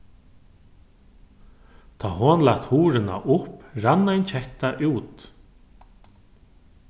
tá hon læt hurðina upp rann ein ketta út